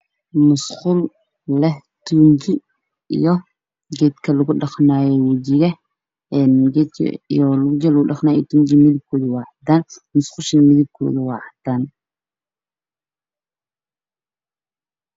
Waa musqul leh tuuji iyo kan wajiga lugu dhaqdo. Tuujiga iyo kan wajiga lugu dhaqdo waa cadaan, musqusha waa cadaan.